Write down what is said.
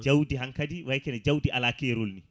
jaawdi hankkadi way kene jaawdi ala keerol ni